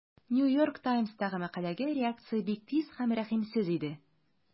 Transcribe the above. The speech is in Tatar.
New York Times'тагы мәкаләгә реакция бик тиз һәм рәхимсез иде.